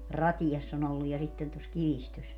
Ratiassa on ollut ja sitten tuossa Kivistössä